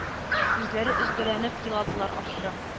Үзләре өзгәләнеп еладылар ахры.